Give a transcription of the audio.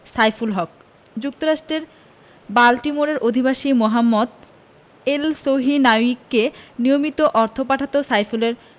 সাইফুল হক যুক্তরাষ্ট্রের বাল্টিমোরের অধিবাসী মোহাম্মদ এলসহিনাউয়িকে নিয়মিত অর্থ পাঠাত সাইফুলের